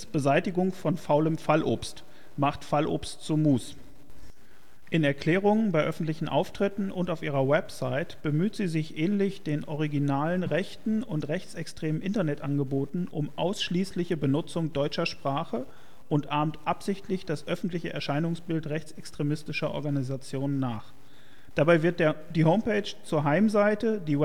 Beseitigung von faulem Fallobst (" Macht Fallobst zu Mus! ") In Erklärungen, bei öffentlichen Auftritten und auf ihrer Website bemüht sie sich ähnlich den originalen rechten und rechtsextremen Internetangeboten um ausschließliche Benutzung deutscher Sprache und ahmt absichtlich das öffentliche Erscheinungsbild rechtsextremistischer Organisationen nach. Dabei wird die Homepage zur „ Heimseite “, die Website